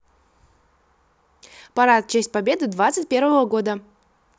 парад в честь победы двадцать первого года